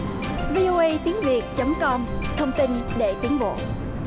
vi ô oây tiếng việt chấm com thông tin để tiến bộ